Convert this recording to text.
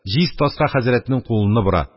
Җиз таска хәзрәтнең кулыны бора,